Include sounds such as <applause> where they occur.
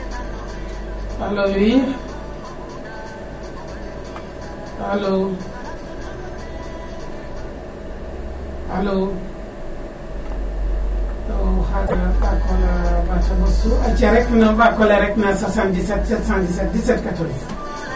Alo oui <music> alo alo kon o xaga ɓaak ole ɓata ɓostu aca rek no ɓaak ole rek na 777171714